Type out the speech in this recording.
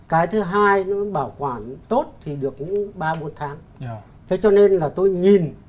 cái thứ hai luôn bảo quản tốt thì được nhưng ba mốt tháng thế cho nên là tôi nhìn